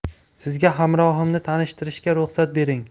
sizga hamrohimni tanishtirishga ruxsat bering